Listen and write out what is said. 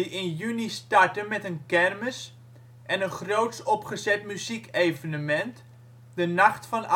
in juni starten met een kermis en een groots opgezet muziekevenement, de Nacht van